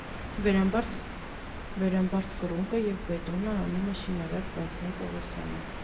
Վերամբարձ կռունկը և բետոնն անում է շինարար Վազգեն Պողոսյանը։